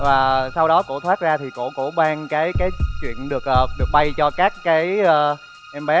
à sau đó cổ thoát ra thì cổ cổ ban cái cái chuyện được ờ được bay cho các cái ơ em bé